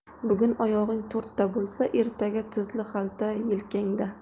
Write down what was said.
bugun oyog'ing to'rtta bo'lsa ertaga tuzli xalta yelkangda